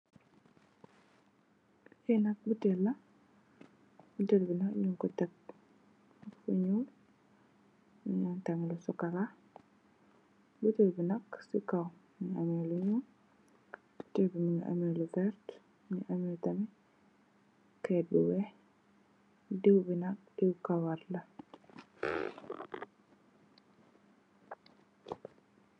Li nak buteel la, buteel bi nak nung ko tekk fu ñuul, am tamit lu sokola. Buteel bi nak ci kaw mungi ameh lu ñuul, buteel bi mungi ameh lu vert, mungi ameh tamit kayit bu weeh. Diw bi nak, diw kawar la.